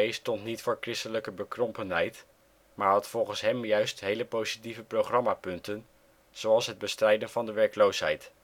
stond niet voor christelijke bekrompenheid maar had volgens hem juist hele positieve programmapunten, zoals het bestrijden van de werkloosheid